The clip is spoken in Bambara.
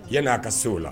Yani a ka se o la